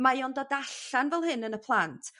mae o'n dod allan fel hyn yn y plant